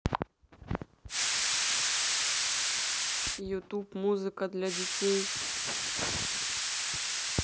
ютуб музыка для детей